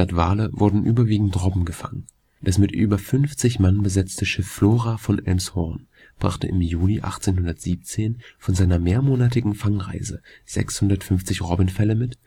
Wale wurden überwiegend Robben gefangen. Das mit über 50 Mann besetzte Schiff „ Flora “von Elmshorn brachte im Juli 1817 von seiner mehrmonatigen Fangreise 650 Robbenfelle mit